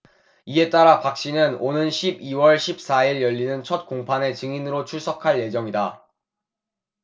이에 따라 박씨는 오는 십 이 월 십 사 일 열리는 첫 공판에 증인으로 출석할 예정이다